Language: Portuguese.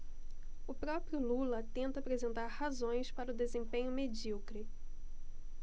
o próprio lula tenta apresentar razões para o desempenho medíocre